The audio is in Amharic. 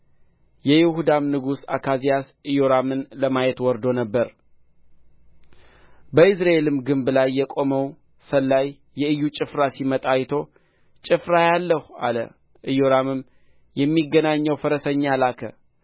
የይሁዳም ንጉሥ አካዝያስ ኢዮራምን ለማየት ወርዶ ነበር በኢይዝራኤልም ግንብ ላይ የቆመው ሰላይ የኢዩ ጭፍራ ሲመታ አይቶ ጭፍራ አያለሁ አለ ኢዮራምም የሚገናኘው ፈረሰኛ ላክ